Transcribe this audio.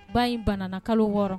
Ba in bana kalo wɔɔrɔ